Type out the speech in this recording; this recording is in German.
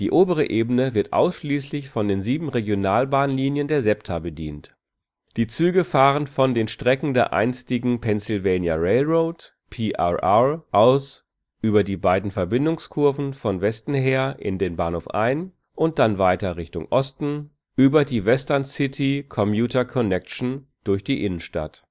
obere Ebene wird ausschließlich von den sieben Regionalbahnlinien der SEPTA bedient. Die Züge fahren von den Strecken der einstigen Pennsylvania Railroad (PRR) aus über die beiden Verbindungskurven von Westen her in den Bahnhof ein und dann weiter Richtung Osten über die Center City Commuter Connection durch die Innenstadt